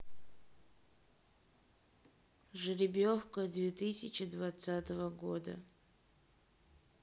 жеребьевка две тысячи двадцатого года